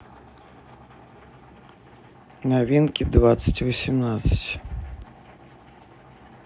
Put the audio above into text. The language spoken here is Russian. новинки двадцать восемнадцать